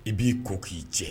I b'i ko k'i cɛ